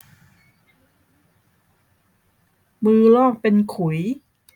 มือลอกเป็นขุย